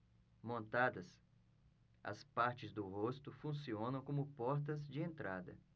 montadas as partes do rosto funcionam como portas de entrada